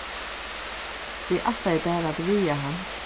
eg ætlaði bara at ræða hann